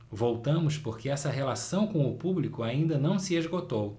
voltamos porque essa relação com o público ainda não se esgotou